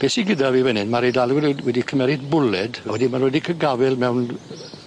Be' sy gyda fi fyn 'yn ma'r Eidalwyr we- wedi cymerid bwled a wedyn ma' nw 'di cy' gafel mewn yy